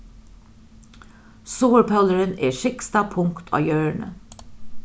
suðurpólurin er syðsta punkt á jørðini